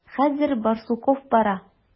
Хәзер Барсуков бара.